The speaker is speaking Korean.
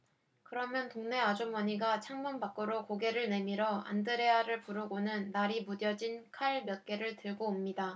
그러면 동네 아주머니가 창문 밖으로 고개를 내밀어 안드레아를 부르고는 날이 무뎌진 칼 몇 개를 들고 옵니다